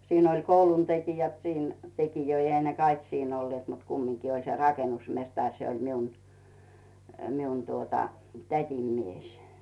siinä oli koulun tekijät siinä tekijöitä eihän ne kaikki siinä olleet mutta kumminkin oli se rakennusmestari se oli minun minun tuota tädin mies